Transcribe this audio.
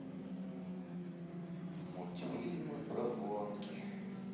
мультфильмы про гонки